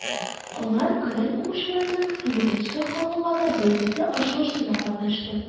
Алар Коръән укучыларның VIII халыкара бәйгесе ачылышында катнашты.